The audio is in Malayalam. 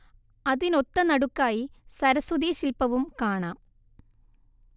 അതിനൊത്തനടുക്കായി സരസ്വതി ശില്പവും കാണാം